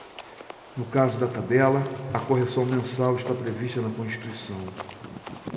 no caso da tabela a correção mensal está prevista na constituição